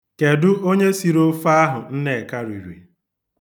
Kedụ onye siri ofe ahụ Nneka riri?